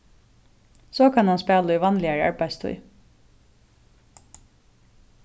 so kann hann spæla í vanligari arbeiðstíð